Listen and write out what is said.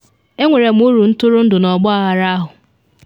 Enwere uru ntụrụndụ n’ọgbaghara ahụ.